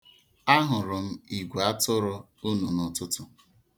Ahụrụ m igweatụrụ unu n'ụtụtụ.